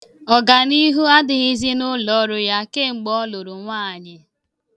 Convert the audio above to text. Ọganihu adịghịzị n'ụlọọrụ ya kemgbe ọ lụrụ nwaanyị.